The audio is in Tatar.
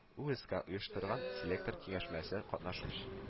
ҮСК оештырган силектр киңәшмәсе катнашучы